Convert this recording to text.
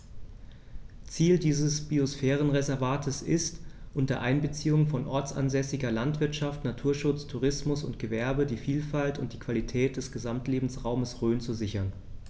Ziel dieses Biosphärenreservates ist, unter Einbeziehung von ortsansässiger Landwirtschaft, Naturschutz, Tourismus und Gewerbe die Vielfalt und die Qualität des Gesamtlebensraumes Rhön zu sichern.